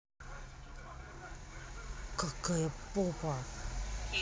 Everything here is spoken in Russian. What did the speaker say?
какая попа